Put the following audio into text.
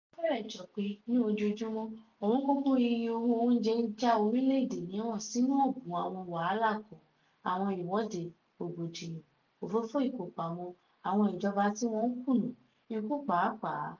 Ó fẹ́rẹ̀ jọ pé, ní ojoojúmọ́, ọ̀wọ́ngógó iye owó oúnjẹ ń já orílẹ̀-èdè mìíràn sínú ọ̀gbùn àwọn wàhálà kan: àwọn ìwọ́de, rògbòdìyàn, òfófó ìkópamọ́, àwọn ìjọba tí wọ́n ń kùnà, ikú pàápàá.